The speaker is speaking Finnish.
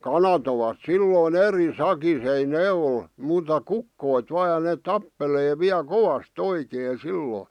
kanat ovat silloin eri sakissa ei ne ole muuta kukot vain ja ne tappelee vielä kovasti oikein silloin